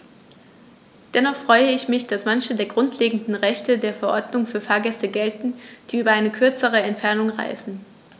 Dennoch freue ich mich, dass manche der grundlegenden Rechte der Verordnung für Fahrgäste gelten, die über eine kürzere Entfernung reisen.